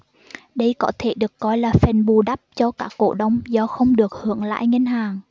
đây có thể được coi là phần bù đắp cho các cổ đông do không được hưởng lãi ngân hàng